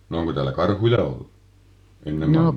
no onko täällä karhuja ollut ennen maailmassa